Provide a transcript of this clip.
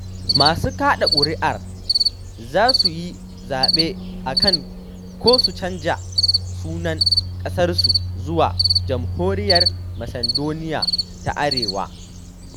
Masu kada kuri’a za su yi zaɓe a kan ko su canza sunan kasarsu zuwa “Jamhuriyyar Macedonia ta Arewa.”